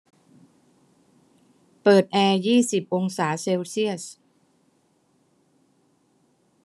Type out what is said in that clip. เปิดแอร์ยี่สิบองศาเซลเซียส